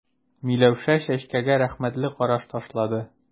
Миләүшә Чәчкәгә рәхмәтле караш ташлады.